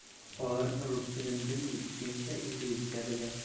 Алар рус телен белми, финча, инглизчә белә.